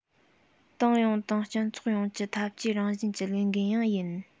ཏང ཡོངས དང སྤྱི ཚོགས ཡོངས ཀྱི འཐབ ཇུས རང བཞིན གྱི ལས འགན ཡང ཡིན